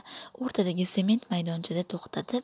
o'rtadagi sement maydonchada to'xtatib